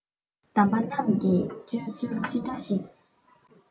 དམ པ རྣམས ཀྱི སྤྱོད ཚུལ ཅི འདྲ ཞིག